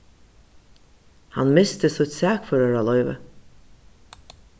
hann misti sítt sakføraraloyvi